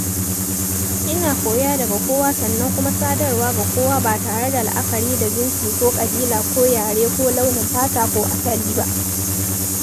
Ina koya daga kowa sannan kuma sadarwa ga kowa ba tare da la'akari da jinsi ko ƙabila ko yare ko launin fata ko asali ba.